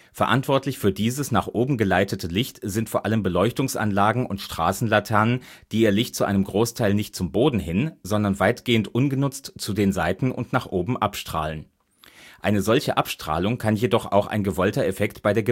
Verantwortlich für dieses nach oben geleitete Licht sind vor allem Beleuchtungsanlagen und Straßenlaternen, die ihr Licht zu einem Großteil nicht zum Boden hin, sondern weitgehend ungenutzt zu den Seiten und nach oben abstrahlen. Eine solche Abstrahlung kann jedoch auch ein gewollter Effekt bei der